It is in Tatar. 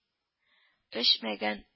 Эчмәгән